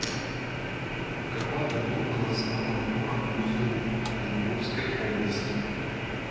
в каком году был основан город бузулук оренбургской области